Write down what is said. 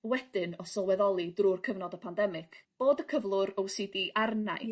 Wedyn o sylweddoli drw'r cyfnod y Pandemic bod y cyflwr ow si di arna i...